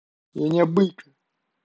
я не абыйка